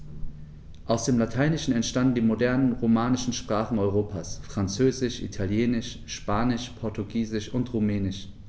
Aus dem Lateinischen entstanden die modernen „romanischen“ Sprachen Europas: Französisch, Italienisch, Spanisch, Portugiesisch und Rumänisch.